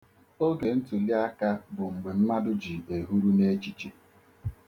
Oge ntuliaka bụ mgbe mmadụ ji ehuru n'echiche.